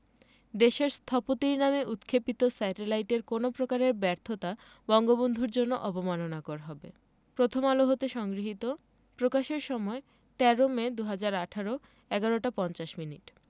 দেশের স্থপতির নামে উৎক্ষেপিত স্যাটেলাইটের কোনো প্রকারের ব্যর্থতা বঙ্গবন্ধুর জন্য অবমাননাকর হবে প্রথম আলো হতে সংগৃহীত প্রকাশের সময় ১৩ মে ২০১৮ ১১ টা ৫০ মিনিট